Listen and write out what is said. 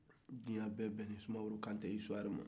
diɲa bɛ bɛnna sumaworo kante ka histoire ma